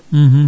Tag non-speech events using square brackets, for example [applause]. [hesitation] [hesitation]